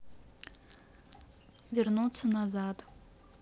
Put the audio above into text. вернуться назад